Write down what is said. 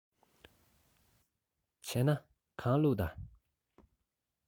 བྱས ན གང བླུགས དང